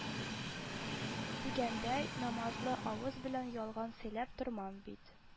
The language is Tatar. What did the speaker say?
Дигәндәй, намазлы авыз белән ялган сөйләп тормам бит